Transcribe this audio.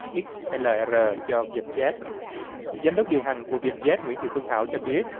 ích e lờ e rờ cho việt giét giám đốc điều hành của việt giét nguyễn thị phương thảo cho biết